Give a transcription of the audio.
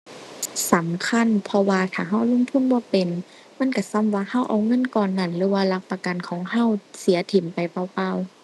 สำคัญ เพราะว่าถ้าเราลงทุนบ่เป็น มันเราส่ำว่าเราเอาเงินก้อนนั้น หรือว่าหลักประกันของเราเสียถิ้มไปเปล่าเปล่า